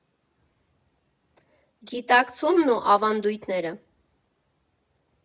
Գիտակցումն ու ավանդույթները։